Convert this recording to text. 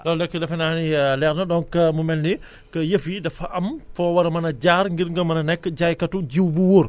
loolu nag defe naa ni leer na donc mu mel ni que yëf yi dafa am foo war a mën a jaar ngir nga mën a nekk jaaykaty jiw bu wóor